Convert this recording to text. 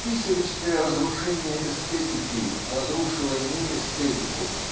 Писаревское разрушение эстетики разрушило не эстетику